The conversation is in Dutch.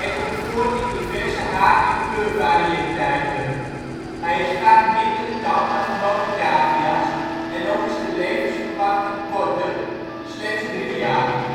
komt voor in diverse haar - en kleurvariëteiten. Hij is vaak minder tam dan gewone cavia 's en ook is de levensverwachting korter (slechts 3 jaar